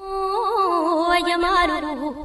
Houhou wa djamalou